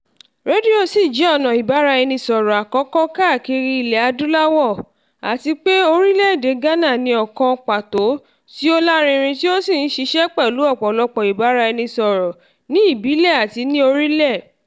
Rédíò sì jẹ́ ọ̀nà ìbáraẹnisọ̀rọ̀ àkọ́kọ́ káàkiri ilẹ̀ Adúláwò, àti pé orílẹ̀ èdè Ghana ní ọ̀kan pàtó tí ó lárinrin tí ó sì ń ṣiṣẹ́ pẹ̀lú ọ̀pọ̀lọpọ̀ ìbáraẹnisọ̀rọ̀ ní ìbílẹ̀ àti ní orílẹ̀.